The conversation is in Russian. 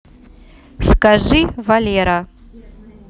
скажи валера